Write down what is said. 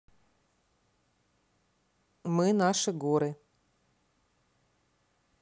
мы наши горы